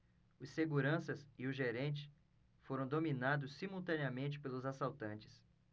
os seguranças e o gerente foram dominados simultaneamente pelos assaltantes